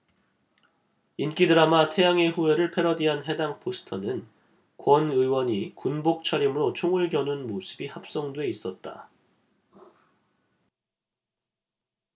인기 드라마 태양의 후예를 패러디한 해당 포스터는 권 의원이 군복 차림으로 총을 겨눈 모습이 합성돼 있었다